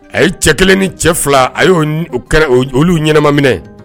A ye cɛ kelen ni cɛ fila a ye' olu ɲɛnamaminɛ